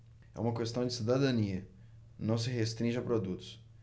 é uma questão de cidadania que não se restringe a produtos